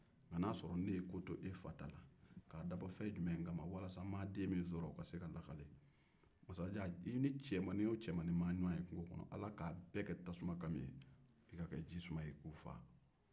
nka n'a y'a sɔrɔ ne ye ko to e fa ta la masajan i ni cɛ o cɛ mana ɲɔgɔn ye ala k'a bɛɛ kɛ tasumakami ye i ka kɛ jisuma ye k'u faa